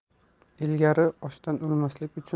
ilgari ochdan o'lmaslik